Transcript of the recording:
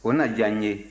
o na diya n ye